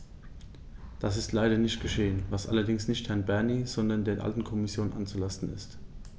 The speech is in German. Das ist leider nicht geschehen, was allerdings nicht Herrn Bernie, sondern der alten Kommission anzulasten ist.